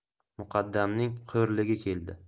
muqaddamning xo'rligi keldi